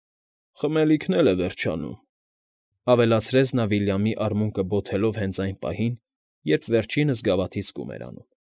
Խմելիքն էլ է վերջանում, ֊ ավելացրեց նա Վիլյամի արմունկը բոթելով հենց այն պահին, երբ վերջինս գավաթից կում էր անում։